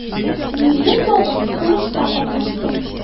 Минем бабам сугышта катнашты.